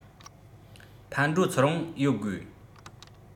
ཕར འགྲོ ཚུར འོང ཡོད དགོས